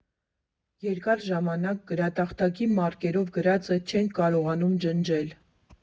Երկար ժամանակ գրատախտակի մարկերով գրածը չենք կարողանում ջնջել։